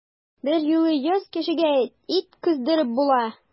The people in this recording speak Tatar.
Берьюлы йөз кешегә ит кыздырып була!